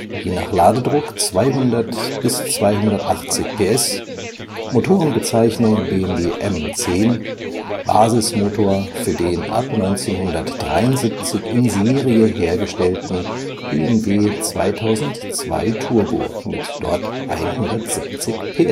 je nach Ladedruck 200 bis 280 PS, Motorenbezeichnung BMW M10, Basismotor für den ab 1973 in Serie hergestellten BMW 2002 turbo (dort 170 PS